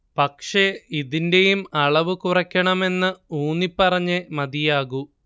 പക്ഷെ ഇതിന്റെയും അളവ് കുറക്കണം എന്ന് ഊന്നി പറഞ്ഞേ മതിയാകൂ